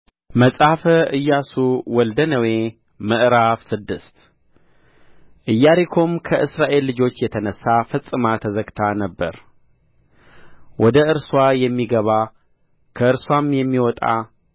መጽሐፈ ኢያሱ ወልደ ነዌ ምዕራፍ ስድስት ኢያሪኮም ከእስራኤል ልጆች የተነሣ ፈጽማ ተዘግታ ነበር ወደ እርስዋ የሚገባ ከእርስዋም የሚወጣ